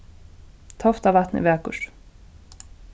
toftavatn er vakurt